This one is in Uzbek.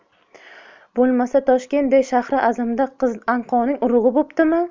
bo'lmasa toshkentday shahri azimda qiz anqoning urug'i bo'ptimi